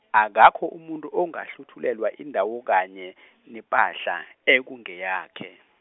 akakho umuntu ongahluthulelwa indawo kanye , nepahla, engeyakhe.